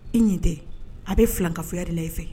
I nin tɛ a bɛ filan kafoya de la i fɛ.